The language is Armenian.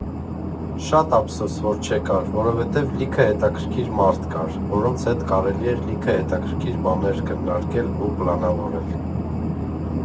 Շատ ափսոս, որ չեկար, որովհետև լիքը հետաքրքիր մարդ կար, որոնց հետ կարելի էր լիքը հետաքրքիր բաներ քննարկել ու պլանավորել։